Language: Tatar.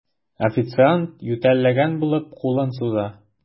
Официант, ютәлләгән булып, кулын суза.